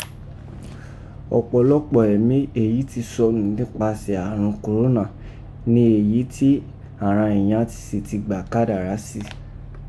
Ọpọlọpọ ẹmi lo ti sọnu nipasẹ ààrun kòrónà ni eyi ti awọn eeyan si ti gba kadara si.